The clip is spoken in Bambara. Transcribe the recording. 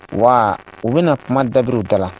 Wa u bɛna kuma dabiriw da la